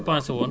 toll